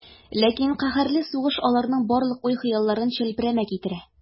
Ләкин каһәрле сугыш аларның барлык уй-хыялларын челпәрәмә китерә.